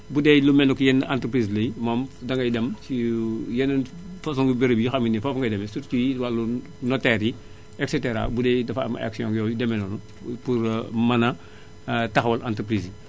bu dee lu mel ne que yenn entreprise la it moom dangay dem ci yeneen façon béréb yi nga xam ne ni foofu ngay demee surtout yi wàllum notaire yi et cetera bu dee dafa am action yooyu yu demee noonu pour mën a taxawal entreprise